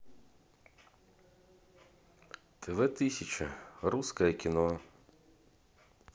тв тысяча русское кино